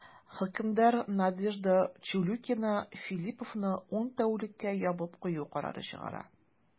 Хөкемдар Надежда Чулюкина Филлиповны ун тәүлеккә ябып кую карары чыгара.